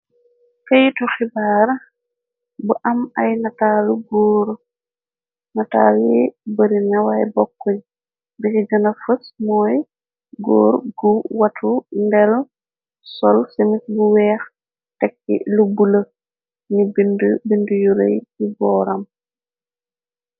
Keyitu xibaar bu am ay agor nataali bari newaay bokk ñ bixi gëna fës mooy góor gu watu ndel sol si mit bu weex tekki luggulë ni bindu yurey ci booram.